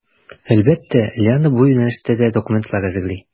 Әлбәттә, Лиана бу юнәлештә дә документлар әзерли.